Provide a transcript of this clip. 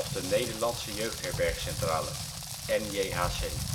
de Nederlandse Jeugdherbergcentrale (NJHC). In